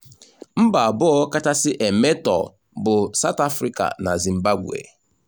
Mba abụọ kachasi emetọọ bụ South Africa na Zimbabwe.